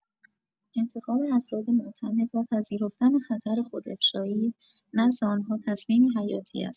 انتخاب افراد معتمد و پذیرفتن خطر خودافشایی نزد آن‌ها تصمیمی حیاتی است.